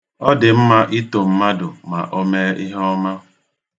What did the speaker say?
Ọ dị mma ito mmadụ ma o mee ihe oma.